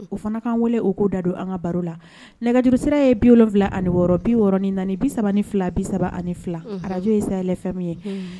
O fana ka kan wele o ko dadon an ka baro la nɛgɛjuru sira ye bi wolonwula ani wɔɔrɔ biɔrɔn ni bi saba ni fila bi saba ani ararakajo ye sayafɛn min ye